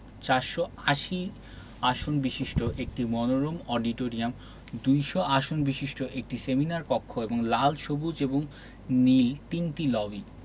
৪৮০ আসন বিশিষ্ট একটি মনোরম অডিটোরিয়াম ২০০ আসন বিশিষ্ট একটি সেমিনার কক্ষ এবং লাল সবুজ এবং নীল তিনটি লবি